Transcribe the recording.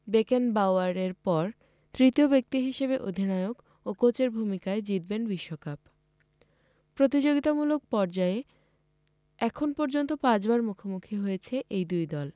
বেকেনবাওয়ারের পর তৃতীয় ব্যক্তি হিসেবে অধিনায়ক ও কোচের ভূমিকায় জিতবেন বিশ্বকাপ প্রতিযোগিতামূলক পর্যায়ে এখন পর্যন্ত পাঁচবার মুখোমুখি হয়েছে এই দুই দল